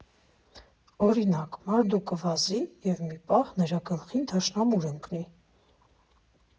Օրինակ՝ մարդուկը վազի և մի պահ նրա գլխին դաշնամուր ընկնի։